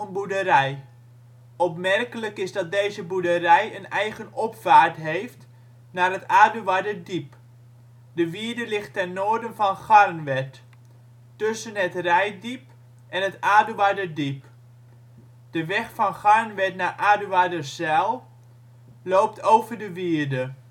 boerderij. Opmerkelijk is dat deze boerderij een eigen opvaart heeft naar het Aduarderdiep. De wierde ligt ten noorden van Garnwerd, tussen het Reitdiep en het Aduarderdiep. De weg van Garnwerd naar Aduarderzijl loopt over de wierde